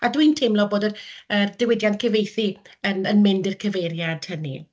A dwi'n teimlo bod yr...yr diwydiant cyfieithu yn yn mynd i'r cyfeiriad hynny.